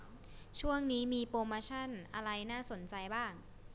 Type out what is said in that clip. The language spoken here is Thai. ช่วงนี้มีโปรโมชั่นอะไรน่าสนใจบ้าง